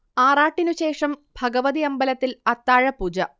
ആറാട്ടിനുശേഷം ഭഗവതി അമ്പലത്തിൽ അത്താഴപൂജ